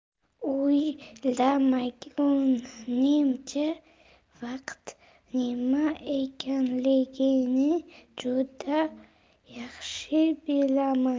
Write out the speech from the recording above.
o'ylamagunimcha vaqt nima ekanligini juda yaxshi bilaman